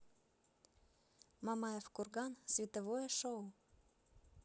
мамаев курган световое шоу